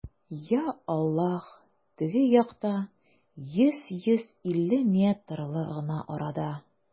Йа Аллаһ, теге якта, йөз, йөз илле метрлы гына арада!